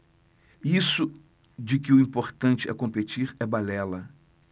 isso de que o importante é competir é balela